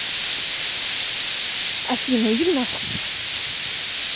афина иди нахуй